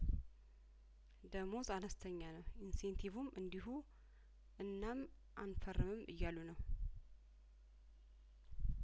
ደሞዝ አነስተኛ ነው ኢንሴንቲቩም እንዲሁ እናም አንፈርምም እያሉ ነው